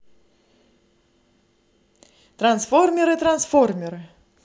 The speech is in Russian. трансформеры трансформеры